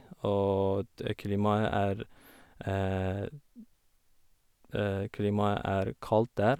Og de klimaet er klimaet er kaldt der.